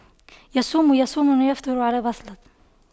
يصوم يصوم ويفطر على بصلة